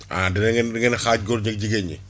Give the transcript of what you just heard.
ah danañ leen da ngeen a xaaj góor ñeeg jigéen ñi